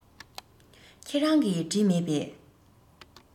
ཁྱེད རང གིས བྲིས མེད པས